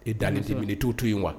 E dalen tɛ minɛ i t'o to yen wa